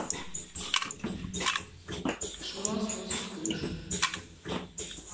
шура сносит крышу